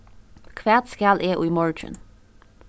hvat skal eg í morgin